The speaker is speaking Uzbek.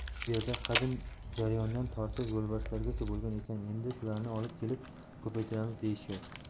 bu yerda qadim jayrondan tortib yo'lbarsgacha bo'lgan ekan endi shularni olib kelib ko'paytiramiz deyishyapti